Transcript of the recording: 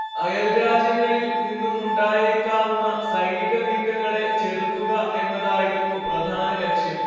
അയൽരാജ്യങ്ങളിൽ നിന്നുമുണ്ടായേക്കാവുന്ന സൈനികനീക്കങ്ങളെ ചെറുക്കുക എന്നതായിരുന്നു പ്രധാന ലക്ഷ്യം